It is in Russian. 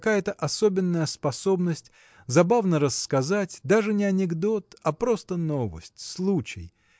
какая-то особенная способность забавно рассказать даже не анекдот а просто новость случай